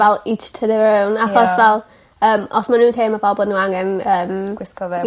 ...fel *each to their own achos fel yym os ma' nw'n teimlo fel bo' n'w angen yym ... Gwisgo fe...